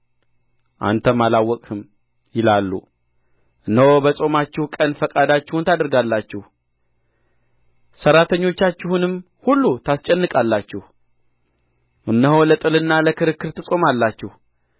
አንተም አላወቅህም ይላሉ እነሆ በጾማችሁ ቀን ፈቃዳችሁን ታደርጋላችሁ ሠራተኞቻችሁንም ሁሉ ታስጨንቃላችሁ እነሆ ለጥልና ለክርክር ትጾማላችሁ